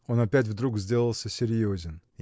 Он опять вдруг сделался серьезен.